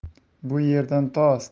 bu yerdan to